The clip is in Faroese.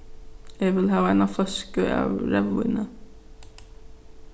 eg vil hava eina fløsku av reyðvíni